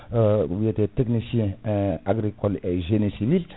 o wiyate technicien agricole et génétiste